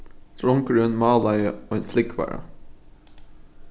drongurin málaði ein flúgvara